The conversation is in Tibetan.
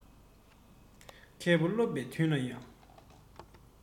མཁས པ སློབ པའི དུས ན སྡུག